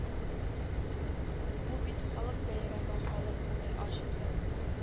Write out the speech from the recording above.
Бу бит халык бәйрәме халык күңел ачсын